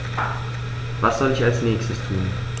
Was soll ich als Nächstes tun?